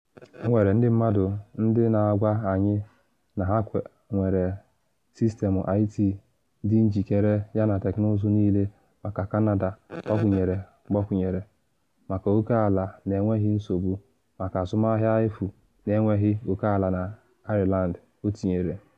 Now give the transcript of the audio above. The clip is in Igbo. ‘Enwere ndị mmadụ ndị na agwa anyị na ha nwere sistemụ IT dị njikere yana teknụzụ niile maka Canada gbakwunyere gbakwunyere, maka oke ala na enweghị nsogbu, maka azụmahịa efu na enweghị oke ala na Ireland,’ o tinyere.